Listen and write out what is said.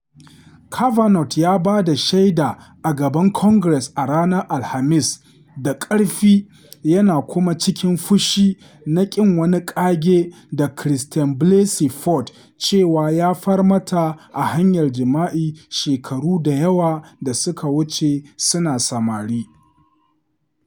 Kavanaugh ya ba da shaida a gaban Congress a ranar Alhamis, da ƙarfi yana kuma cikin fushi na ƙin wani ƙage daga Christine Blasey Ford cewa ya far mata ta hanyar jima’i shekaru da yawa da suka wuce suna samari.